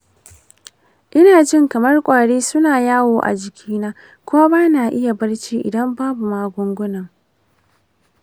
ina jin kamar kwari suna yawo a jikina kuma ba na iya barci idan babu magungunan.